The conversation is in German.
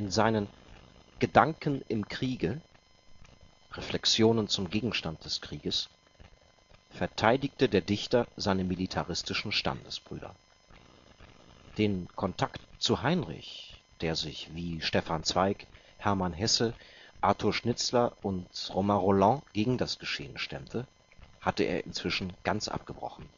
seinen Gedanken im Kriege – Reflexionen zum Gegenstand des Krieges – verteidigte der Dichter seine militaristischen Standesbrüder. Den Kontakt zu Heinrich, der sich wie Stefan Zweig, Hermann Hesse, Arthur Schnitzler und Romain Rolland gegen das Geschehen stemmte, hatte er inzwischen ganz abgebrochen